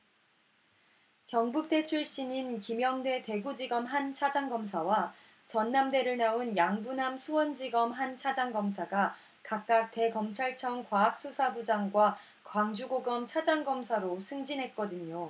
경북대 출신인 김영대 대구지검 한 차장검사와 전남대를 나온 양부남 수원지검 한 차장검사가 각각 대검찰청 과학수사부장과 광주고검 차장검사로 승진했거든요